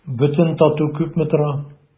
Бөтен тату күпме тора?